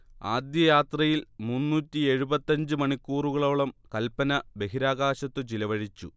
ആദ്യയാത്രയിൽ മുന്നൂറ്റിയെഴുപത്തിയഞ്ച് മണിക്കൂറുകളോളം കൽപന ബഹിരാകാശത്തു ചിലവഴിച്ചു